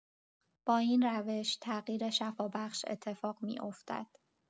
با این روش، تغییر شفابخش اتفاق می‌افتد.